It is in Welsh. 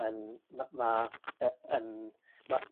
yn ma' ma' yy yn ma'